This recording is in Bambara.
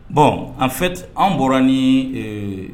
Bon en fait an bɔra ni ee